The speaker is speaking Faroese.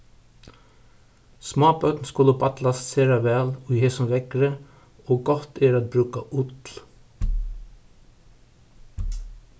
smábørn skulu ballast sera væl í hesum veðri og gott er at brúka ull